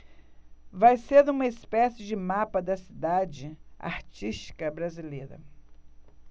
vai ser uma espécie de mapa da cidade artística brasileira